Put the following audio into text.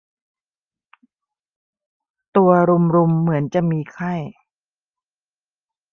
ตัวรุมรุมเหมือนจะมีไข้